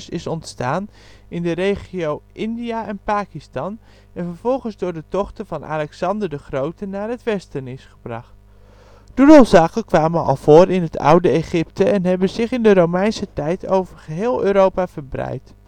is ontstaan in de regio India en Pakistan en vervolgens door de tochten van Alexander de Grote naar het westen is gebracht. Doedelzakken kwamen al voor in het Oude Egypte en hebben zich in de Romeinse tijd over geheel Europa verbreid